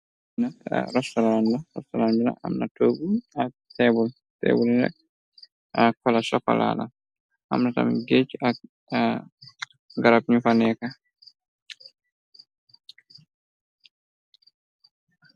na rostorand, rostoran bina amna toggun ak feebul, te buni nekk ak fala chokalaala, amnatam géej ak garab ñu faneeka.